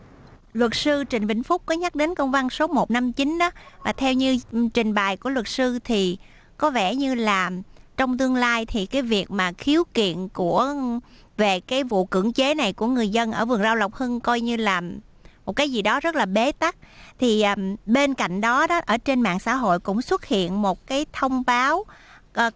luật sư trịnh vĩnh phúc có nhắc đến công văn số một năm chín đó theo như trình bày của luật sư thì có vẻ như là trong tương lai thì cái việc mà khiếu kiện của về cái vụ cưỡng chế này của người dân ở vườn rau lộc hưng coi như làm một cái gì đó rất là bế tắc thì bên cạnh đó đó ở trên mạng xã hội cũng xuất hiện một cái thông báo